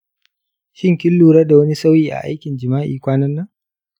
shin kin lura da wani sauyi a aikin jima’i kwanan nan?